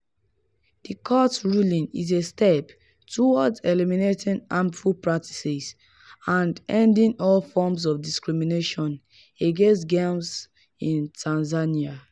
The court’s ruling is a step toward eliminating harmful practices and ending all forms of discrimination against girls in Tanzania.